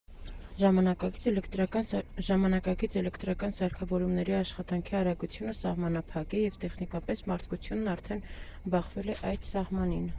«Ժամանակակից էլեկտրական սարքավորումների աշխատանքի արագությունը սահմանափակ է, և տեխնիկապես մարդկությունն արդեն բախվել է այդ սահմանին։